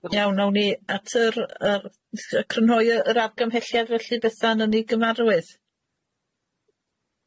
Iawn awn ni at yr yr s- yy crynhoi yr argymhelliad felly Bethan yn ei gymarwydd?